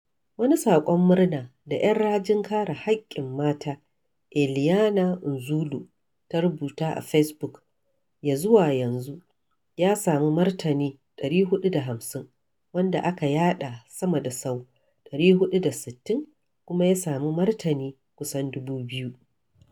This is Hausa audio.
Wani saƙon murna da 'yar rajin kare haƙƙin mata Eliana Nzualo ta rubuta a Fesbuk, ya zuwa yanzu ya samu martani 450, wanda aka yaɗa sama da sau 460, kuma ya samu martani kusan 2,000: